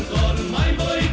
mãi với